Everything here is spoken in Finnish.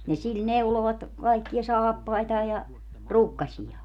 niin sillä neuloivat kaikkia saappaitaan ja rukkasiaan